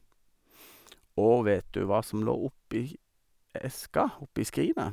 Og vet du hva som lå oppi ki eska oppi skrinet?